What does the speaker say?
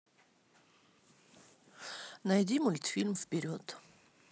найди мультфильм вперед